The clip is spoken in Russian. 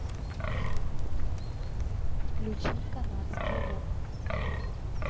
включи канадский рок